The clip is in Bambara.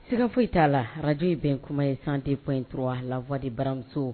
S sirafo t'a la arajo ye bɛn kuma ye sante fɔ in dɔrɔn a lawadi baramuso